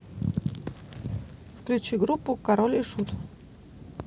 включи группу король и шут